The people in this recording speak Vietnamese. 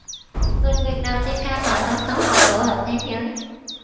người việt đầu tiên khai mở toán số học tổ hợp thế giới